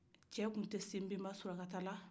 cɛ tun te se nbenba sulakala